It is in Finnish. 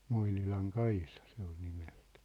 Moinilan Kaisa se oli nimeltään